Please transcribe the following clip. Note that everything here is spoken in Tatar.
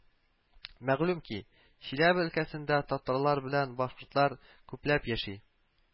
Мәгълүм ки, Чиләбе өлкәсендә татарлар белән башкортлар күпләп яши